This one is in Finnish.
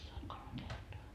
oli kolme kertaa